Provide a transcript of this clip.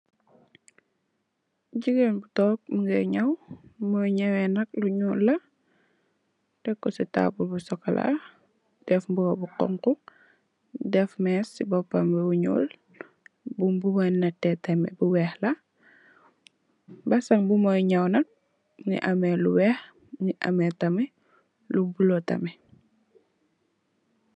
Jigéen bu toog mungé nyaw, limoy nyawe nak lu ñuul la, teko si tabul bu socola def mbuba bu xonxu, def mes si boppambi mu ñul, mbuba yu nete tamit bu weex la, mbesen bu moy nyaw nak mingi ame lu weex, mingi ame tamit lu bulo tamit.